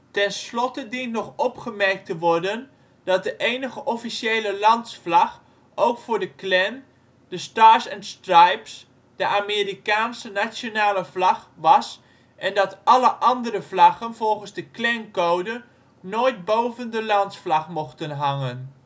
Tenslotte dient nog opgemerkt te worden dat de enige officiële landsvlag ook voor de Klan de Stars and Stripes (de Amerikaanse nationale vlag) was en dat alle andere vlaggen volgens de Klancode nooit boven de landsvlag mochten hangen